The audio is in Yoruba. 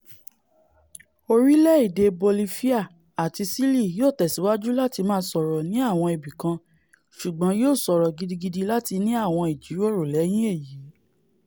orílẹ̀-èdè Bolifia àti Ṣílì̀ yóò tẹ̀síwajú láti máa sọ̀rọ̀ ni àwọn ibi kan, ṣùgbọ́n yóò ṣòro gidigidi láti ní àwọn ìjíròrò lẹ́yìn èyí.